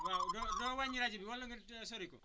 waa doo doo wàññi rajo bi wala nga sori ko